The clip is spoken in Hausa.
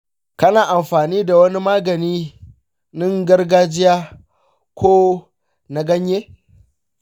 kana amfani da wani maganin gargajiya ko na ganye?